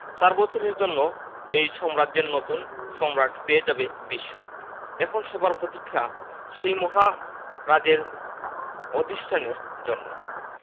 চার বছরের জন্য এই সাম্রাজ্যের নতুন সম্রাট পেয়ে যাবে বিশ্ব এখন সবার প্রতীক্ষা সেই মহারাজের অধিষ্ঠানের জন্য